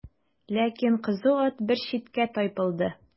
Ләкин кызу ат бер читкә тайпылды.